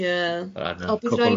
Ie ie.